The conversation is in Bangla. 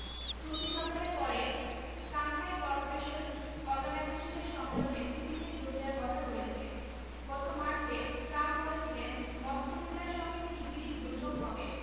চলতি সপ্তাহের পরে সাংহাই করপোরেশন অর্গানাইজেশনের সম্মেলনে পুতিনের যোগ দেওয়ার কথা রয়েছে গত মার্চে ট্রাম্প বলেছিলেন মস্কো নেতার সঙ্গে শিগগিরই বৈঠক হবে